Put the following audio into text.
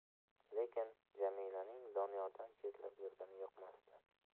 lekin jamilaning doniyordan chetlab yurgani yoqmasdi